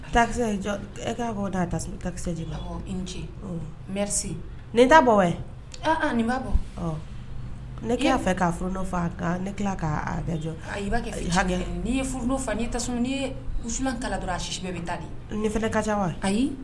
A ta e'a takisɛ ce miri n' bɔ nin'a bɔ ne' y'a fɛ' furu nɔfɛ a kan ne tila k' bɛɛ jɔ kɛ hakɛ nii ye furu n' tasumas ni kala don a sisi bɛɛ bɛ taa di ne fana ka ca wa ayi